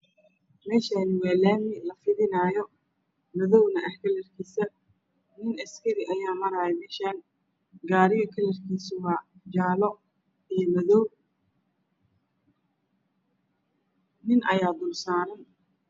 Meshanan wa lami lafidinaya madow ahkalarkisa nin Askeri ah ayamarayamesh an garigakalarkisaw jalo iyo madow nin ayadulsaran